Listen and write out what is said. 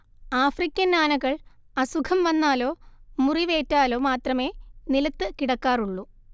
African ആനകൾ അസുഖം വന്നാലോ മുറിവേറ്റാലോ മാത്രമേ നിലത്ത് കിടക്കാറുള്ളൂ